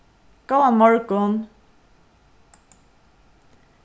góðan morgun